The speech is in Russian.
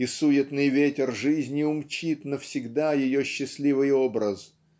и суетный ветер жизни уйти навсегда ее счастливый образ